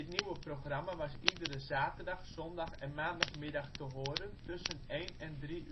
nieuwe programma was iedere zaterdag -, zondag - en maandagmiddag te horen tussen één en drie uur